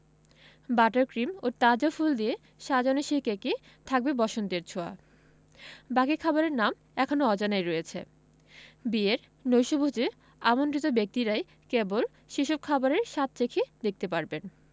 butter cream ও তাজা ফুল দিয়ে সাজানো সেই কেকে থাকবে বসন্তের ছোঁয়া বাকি খাবারের নাম এখনো অজানাই রয়েছে বিয়ের নৈশভোজে আমন্ত্রিত ব্যক্তিরাই কেবল সেসব খাবারের স্বাদ চেখে দেখতে পারবেন